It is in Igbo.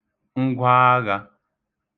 ngwaaghā